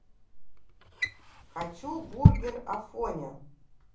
хочу бургер афоня